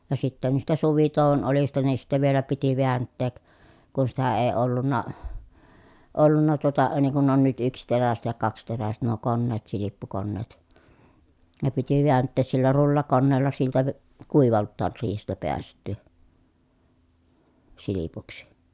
ja sitten niistä suvitouon oljista niin sitten vielä piti vääntää kun sitä ei ollut ollut tuota niin kuin on nyt yksiteräiset ja kaksiteräiset nuo koneet silppukoneet ne piti vääntää sillä rullakoneella siltä - kuivaltaan riihestä päästyä silpuksi